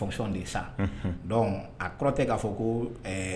Sa a kɔrɔ tɛ k'a fɔ ko